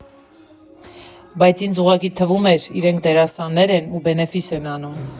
Բայց ինձ ուղղակի թվում էր՝ իրենք դերասաններ են ու բենեֆիս են անում։